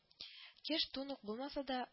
Кеш тун ук булмаса да